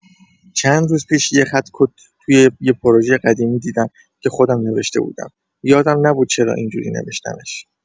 چند روز پیش یه خط کد توی یه پروژۀ قدیمی دیدم که خودم نوشته بودم، یادم نبود چرا اینجوری نوشتمش.